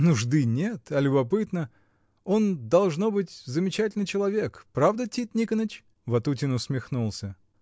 — Нужды нет, а любопытно: он, должно быть, замечательный человек. Правда, Тит Никоныч? Ватутин усмехнулся.